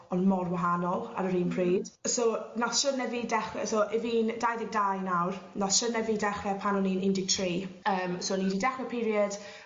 ond mor wahanol ar yr un pryd. So nath siwrne fi dechre so 'yf fi'n dau ddeg dau nawr nath siwrne fi dechre pan o'n i'n un deg tri yym so o'n i 'di dechre period